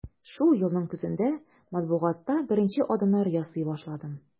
Шул елның көзендә матбугатта беренче адымнар ясый башладым.